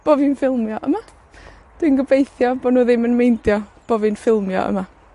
bo' fi'n ffilmio yma. Dwi'n gobeithio bo' nw ddim yn meindio bo' fi'n ffilmio yma.